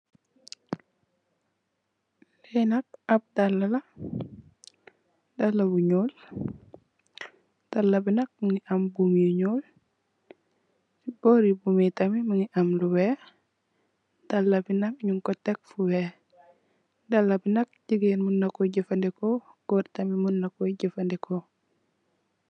Li nak ap daala la daal bu nuul dàala bi nak mogi am bomm yu nuul si bori bomm yi nak mongi am lu weex dàala bi nak nyun ko tek fo weex daala bi nak goor mung naku jefendeko jigeen mung naku jefendeko.